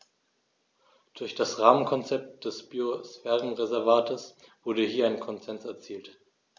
Durch das Rahmenkonzept des Biosphärenreservates wurde hier ein Konsens erzielt.